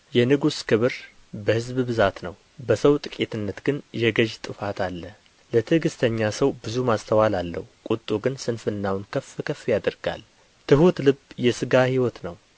የንጉሥ ክብር በሕዝብ ብዛት ነው በሰው ጥቂትነት ግን የገዥ ጥፋት አለ ለትግሥተኛ ሰው ብዙ ማስተዋል አለው ቍጡ ግን ስንፍናውን ከፍ ከፍ ያደርጋል ትሑት ልብ የሥጋ ሕይወት ነው